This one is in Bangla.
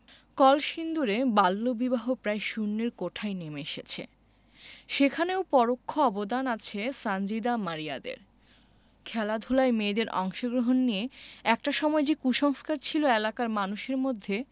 কলসিন্দুরে বাল্যবিবাহ প্রায় শূন্যের কোঠায় নেমে এসেছে সেখানেও পরোক্ষ অবদান আছে সানজিদা মারিয়াদের খেলাধুলায় মেয়েদের অংশগ্রহণ নিয়ে একটা সময় যে কুসংস্কার ছিল এলাকার মানুষের মধ্যে